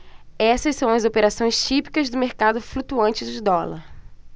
essas são as operações típicas do mercado flutuante de dólar